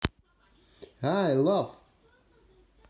я love